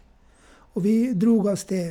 Og vi dro av sted.